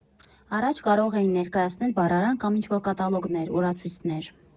Առաջ կարող էին ներկայացնել բառարան կամ ինչ֊որ կատալոգներ, օրացույցներ։